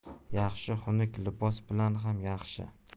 yaxshi xunuk libos bilan ham yaxshi